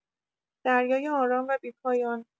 دریای آرام و بی‌پایان